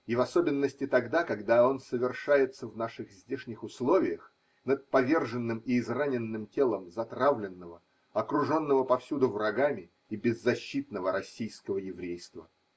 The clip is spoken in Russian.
И в особенности тогда, когда он совершается в наших здешних условиях, над поверженным и израненным телом затравленного, окруженного повсюду врагами и беззащитного российского еврейства.